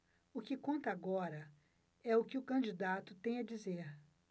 o que conta agora é o que o candidato tem a dizer